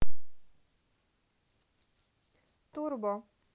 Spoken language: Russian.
turbo